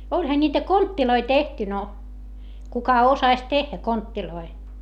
olihan niitä kontteja tehty no kuka osasi tehdä kontteja